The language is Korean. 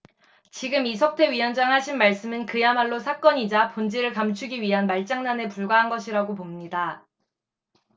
지금 이석태 위원장 하신 말씀은 그야말로 사견이자 본질을 감추기 위한 말장난에 불과한 것이라고 봅니다